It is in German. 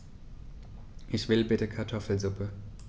Ich will bitte Kartoffelsuppe.